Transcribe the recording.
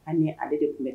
Hali ni ale de tun bɛ